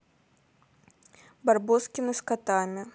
барбоскины с котами